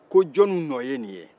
ko jɔniw nɔ ye nin ye